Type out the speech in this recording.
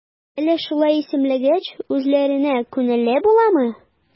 Әллә шулай исемләгәч, үзләренә күңелле буламы?